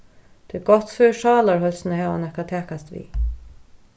tað er gott fyri sálarheilsuna at hava nakað at takast við